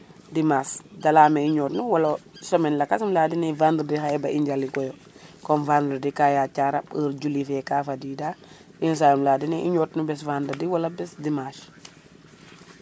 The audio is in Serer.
dimanche de leyame i niowtu wala semaine lakas um layadene vendredi xaye ba i njaliko yo comme vendredi ka yaca raɓ heure jouli fe ka fadida yenisay um laye dene fat i ñoot nu bes vendredi wala bes dimanche